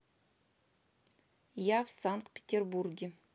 а в санкт петербурге